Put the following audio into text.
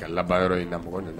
Ka la laban yɔrɔ in lamɔgɔ de la